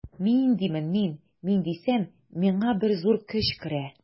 Мин димен мин, мин дисәм, миңа бер зур көч керә.